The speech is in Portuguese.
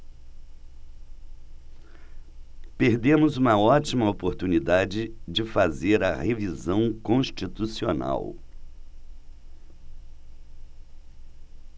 perdemos uma ótima oportunidade de fazer a revisão constitucional